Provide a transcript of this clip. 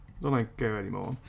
I don't like him anymore.